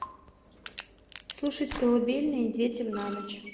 слушать колыбельные детям на ночь